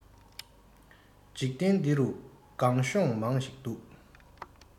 འཇིག རྟེན འདི རུ སྒང གཤོང མང ཞིག འདུག